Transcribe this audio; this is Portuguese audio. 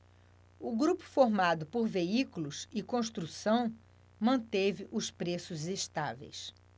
o grupo formado por veículos e construção manteve os preços estáveis